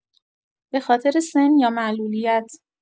به‌خاطر سن یا معلولیت